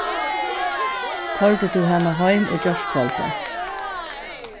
koyrdi tú hana heim í gjárkvøldið